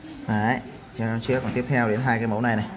đấy phàn tiếp theo hai cái mẫu này